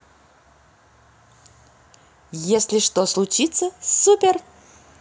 если что случится супер